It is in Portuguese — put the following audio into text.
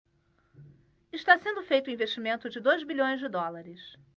está sendo feito um investimento de dois bilhões de dólares